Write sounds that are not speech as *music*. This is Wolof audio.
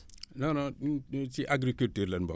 *smacks lips* non non *hesitation* si agriculture lañ bokk